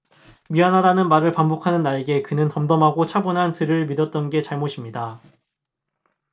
미안하다는 말을 반복하는 나에게 그는 덤덤하고 차분한 들을 믿었던 게 잘못입니다